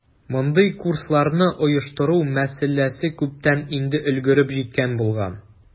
Мондый курсларны оештыру мәсьәләсе күптән инде өлгереп җиткән булган.